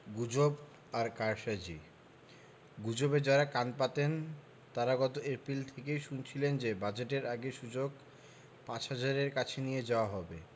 গুজব আর কারসাজি গুজবে যাঁরা কান পাতেন তাঁরা গত এপ্রিল থেকেই শুনছিলেন যে বাজেটের আগে সূচক ৫ হাজারের কাছে নিয়ে যাওয়া হবে